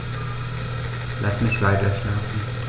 Lass mich weiterschlafen.